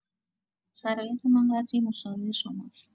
شرایط من قدری مشابه شماست.